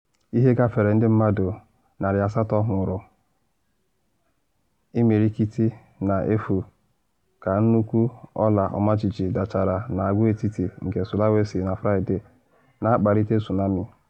Ihe gafere ndị mmadụ 800 nwụrụ, imirikiti na efu ka nnukwu ọla ọmajiji dachara na agwaetiti nke Sulawesi na Fraịde, na akpalite tsunami.